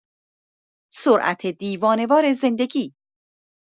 سرعت دیوانه‌وار زندگی